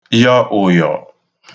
yọ ụ̀yọ̀